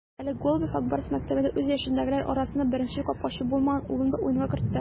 Әле Голубев "Ак Барс" мәктәбендә үз яшендәгеләр арасында беренче капкачы булмаган улын да уенга кертте.